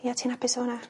Ie ti'n hapus efo wnna?